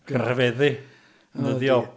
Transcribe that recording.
Rhyfeddu yn ddyddiol!